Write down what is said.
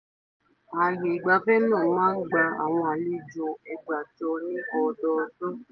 Ààyè ìgbafẹ́ náà máa ń gba àwọn àlejò 16,000 ní ọdọọdún.